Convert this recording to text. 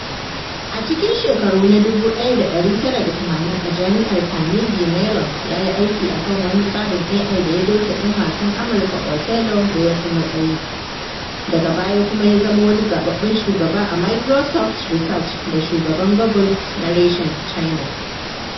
Lee ya faɗi gasa ta baya ta gwamnatin Amurka a kan fasaha kamar Defense Advanced Research Projects Agency's Robotics Challenge inda ya tambaya yaushe ne za a yi na gaban, saboda ya taimaka gane masu hange nesa na gaba.